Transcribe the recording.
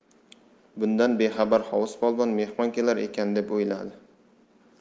bundan bexabar hovuz polvon mehmon kelar ekan deb o'yladi